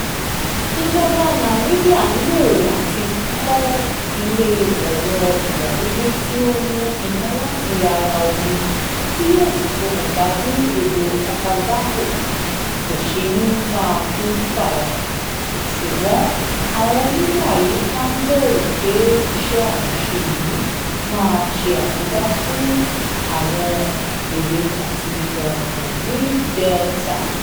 Ìjọba Namibia ń gbèrò láti kọ́ ilé ẹ̀rọ ìgbàlódé tí ó mú iná láti ara omi tí yóò si ṣokùnfà bi odo Okavango kò ṣe ni máa kún fàya, ṣùgbọ́n àwọ́n onímọ̀ àyíká ń bẹ̀rù pé iṣẹ́ àkànṣe yìí máa ṣe àkóbá fún àwọn ewé àti ẹranko nì Delta.